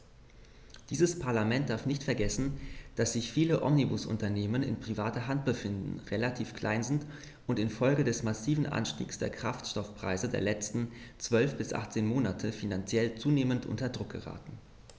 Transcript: Dieses Parlament darf nicht vergessen, dass sich viele Omnibusunternehmen in privater Hand befinden, relativ klein sind und in Folge des massiven Anstiegs der Kraftstoffpreise der letzten 12 bis 18 Monate finanziell zunehmend unter Druck geraten.